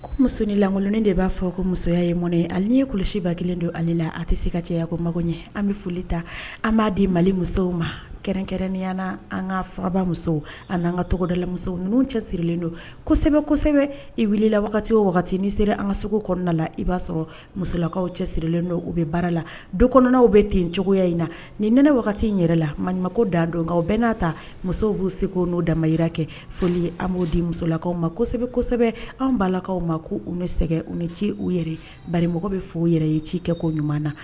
Ko musonin lankolonin de b'a fɔ ko musoya ye mɔn ale ye kuluba kelen don ale la a tɛ se ka caya ko mago ɲɛ an bɛ foli ta an b'a di mali musow ma kɛrɛnkɛrɛnya na an ka faba musow ani n'an ka tɔgɔdalamuso ninnu cɛ sirilen don kosɛbɛ kosɛbɛ i wulila la wagati o wagati ni sera an ka segu kɔnɔnada la i b'a sɔrɔ musolakaw cɛ sirilen don u bɛ baara la don kɔnɔnaw bɛ ten cogoyaya in na nin neɛnɛ wagati in yɛrɛ la ma ma ko dan don bɛɛ n'a ta musow b bɛu se k n'o damabahira kɛ foli ye an b'o di musolakaw ma kosɛbɛ kosɛbɛ an balakaw ma ko u ni sɛgɛ u ni ci u yɛrɛ bamɔgɔ bɛ fɔ u yɛrɛ ye ci kɛ ko ɲuman na